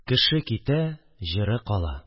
Кеше китә – җыры кала